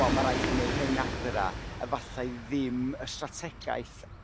wel ma' rai' chi 'neud hyn adra efallai ddim y strategaeth